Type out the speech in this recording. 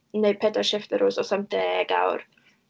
neud pedair shifft yr wythnos am deg awr.